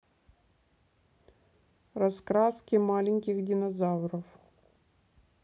раскраски маленьких динозавров